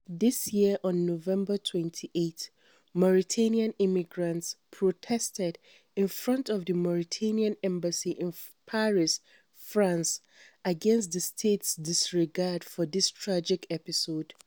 This year on November 28, Mauritanian immigrants protested in front of the Mauritanian embassy in Paris, France, against the state's disregard for this tragic episode.